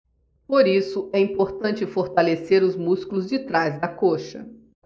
por isso é importante fortalecer os músculos de trás da coxa